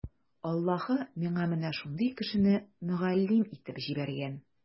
Аллаһы миңа менә шундый кешене мөгаллим итеп җибәргән.